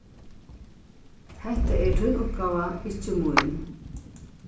hatta er tín uppgáva ikki mín